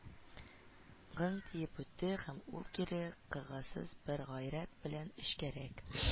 Гың тиеп үтте, һәм ул кире кагысыз бер гайрәт белән эчкәрәк